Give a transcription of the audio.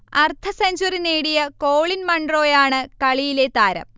അർധ സെഞ്ച്വറി നേടിയ കോളിൻ മൺറോയാണ് കളിയിലെ താരം